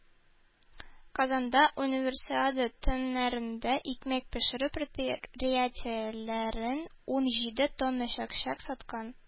Казанда Универсиада көннәрендә икмәк пешерү предприятиеләре ун җиде тонна чәк-чәк саткан.